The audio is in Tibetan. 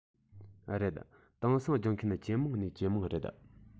རེད དེང སང སྦྱོང མཁན ཇེ མང ནས ཇེ མང རེད